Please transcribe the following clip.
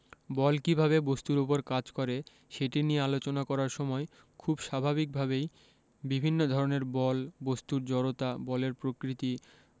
বল কীভাবে বস্তুর উপর কাজ করে সেটি নিয়ে আলোচনা করার সময় খুব স্বাভাবিকভাবেই বিভিন্ন ধরনের বল বস্তুর জড়তা বলের প্রকৃতি